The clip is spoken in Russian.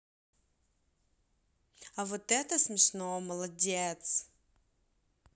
а вот это смешно молодец